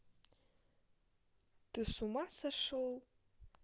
ты с ума сошел